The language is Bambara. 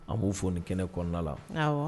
An b'o fɔ ni kɛnɛ kɔnɔna la